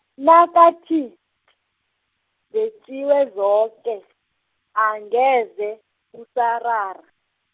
nakathi , zetjiwe zoke, angeze, kusarara.